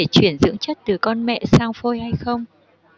chuyển dưỡng chất từ con mẹ sang phôi hay không